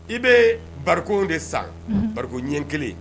I bɛ ba de san ba ɲɛ kelen